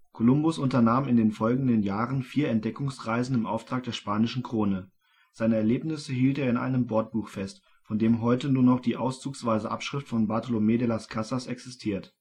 Kolumbus unternahm in den folgenden Jahren vier Entdeckungsreisen im Auftrag der spanischen Krone. Seine Erlebnisse hielt er in einem Bordbuch fest, von dem heute nur noch die auszugsweise Abschrift von Bartolomé de las Casas existiert